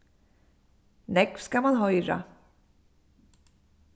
nógv skal mann hoyra